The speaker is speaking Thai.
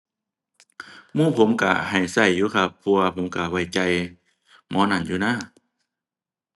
หมู่ผมก็ให้ก็อยู่ครับ เพราะว่าผมก็ไว้ใจหมอนั่นอยู่นะ